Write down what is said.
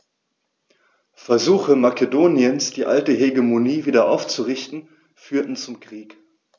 Versuche Makedoniens, die alte Hegemonie wieder aufzurichten, führten zum Krieg.